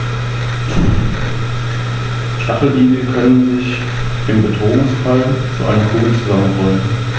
Latein wurde zur Amtssprache im gesamten Reich (im Osten ergänzt durch das Altgriechische), wenngleich sich auch andere Sprachen halten konnten.